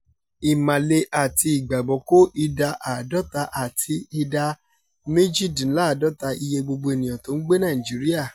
Ìmàle àti Ìgbàgbọ́ kó ìdá 50 àti ìdá 48 iye gbogbo ènìyàn t'ó ń gbé Nàìjíríà.